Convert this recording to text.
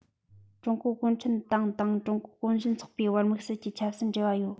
ཀྲུང གོའི གུང ཁྲན ཏང དང ཀྲུང གོའི གུང གཞོན ཚོགས པའི བར དམིགས བསལ གྱི ཆབ སྲིད འབྲེལ བ ཡོད